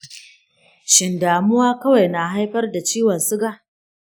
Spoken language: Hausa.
shin damuwa kawai na haifar da ciwon suga?